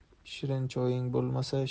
shirin choying bo'lmasa